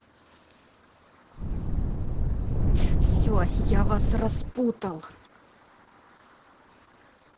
все я вас распутал